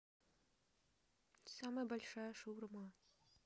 самая большая шаурма